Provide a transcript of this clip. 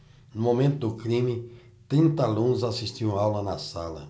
no momento do crime trinta alunos assistiam aula na sala